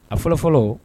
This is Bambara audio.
A fɔlɔ fɔlɔ